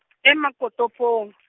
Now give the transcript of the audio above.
e- Makotopong.